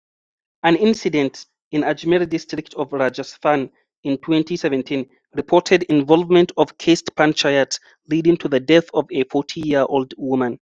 An incident in Ajmer district of Rajasthan in 2017 reported involvement of caste panchayat leading to the death of a 40-year-old woman.